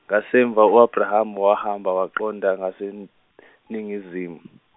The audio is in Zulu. ngasemva u Abrama wahamba waqonda ngaseNingizimu.